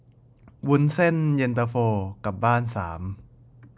วุ้นเส้นเย็นตาโฟกลับบ้านสาม